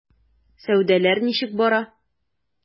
Сәүдәләр ничек бара?